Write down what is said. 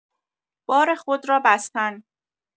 بار خود را بستن